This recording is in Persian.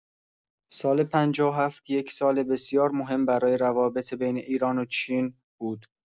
سال ۵۷ یک سال بسیار مهم برای روابط بین ایران و چین بود.